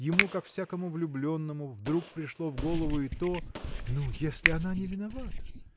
Ему, как всякому влюбленному, вдруг пришло в голову и то Ну, если она не виновата?